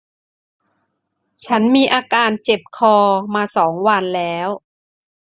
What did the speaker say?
ฉันมีอาการเจ็บคอมาสองวันแล้ว